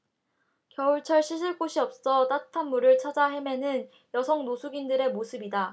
겨울철 씻을 곳이 없어 따뜻한 물을 찾아 헤매는 여성 노숙인들의 모습이다